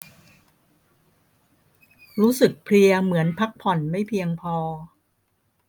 รู้สึกเพลียเหมือนพักผ่อนไม่เพียงพอ